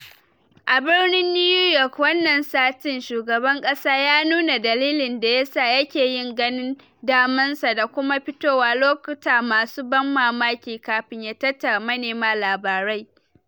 A Birnin New York wannan satin, shugaban kasa ya nuna dalilin da ya sa, ya ke yin ganin daman sa da kuma fitowa lokuta masu ban mamaki kafin ya tattara manema labarai.